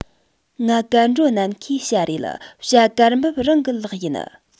ང གར འགྲོ ནམ མཁའི བྱ རེད བྱ གར འབབ རང གི ལག ཡིན